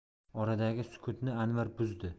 oradagi sukutni anvar buzdi